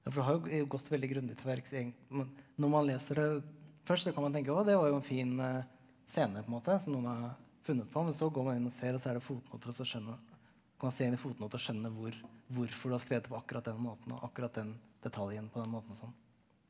for du har jo gått veldig grundig til verks men når man leser det først så kan man tenke å det var jo en fin scene på en måte som noen har funnet på men så går man inn og ser og så er det fotnoter også man ser inn i fotnoten og skjønner hvor hvorfor du har skrevet på akkurat den måten og akkurat den detaljen på den måten og sånn.